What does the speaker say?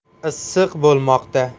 issiq bo'lmoqda